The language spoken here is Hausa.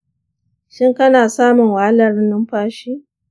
shin kana samun wahalar numfashi?